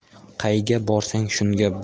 qayga borsang shunda